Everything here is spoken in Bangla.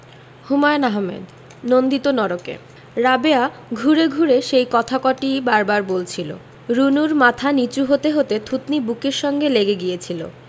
হুমায়ুন আহমেদ নন্দিত নরকে রাবেয়া ঘুরে ঘুরে সেই কথা কটিই বার বার বলছিলো রুনুর মাথা নীচু হতে হতে থুতনি বুকের সঙ্গে লেগে গিয়েছিলো